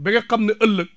ba nga xam ne ëllëg